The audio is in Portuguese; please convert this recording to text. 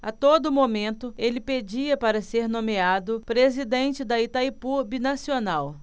a todo momento ele pedia para ser nomeado presidente de itaipu binacional